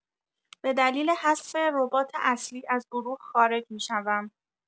به دلیل حذف ربات اصلی از گروه خارج می‌شوم